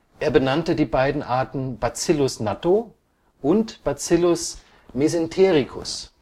Er benannte die beiden Arten Bacillus natto und Bacillus mesentericus